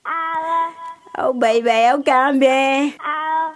Saba aw baya kan bɛn